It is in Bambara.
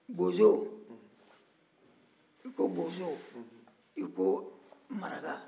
bozo n'i ko bozo i ko maraka